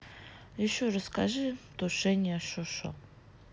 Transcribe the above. еще расскажи тушение шошо